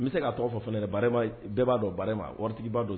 N bɛ se ka tɔgɔ fɔ fana bɛɛ b'a don baara ma waritigi b'a dɔn